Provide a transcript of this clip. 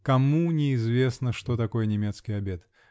Кому не известно, что такое немецкий обед?